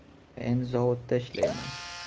men zavodda ishlayman